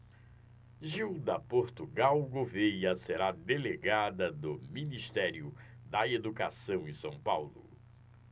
gilda portugal gouvêa será delegada do ministério da educação em são paulo